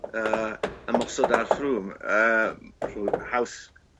yy ymosod ar Froome. Yy m- rhwy- haws